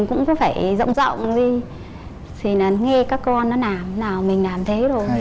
cũng phải rộng rộng đi thì là nghe các con nó làm nào thì mình làm thế luôn